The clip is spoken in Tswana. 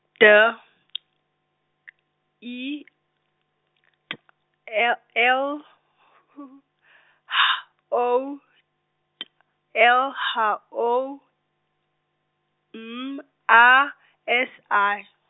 D I T E L H O T L H O M A S I.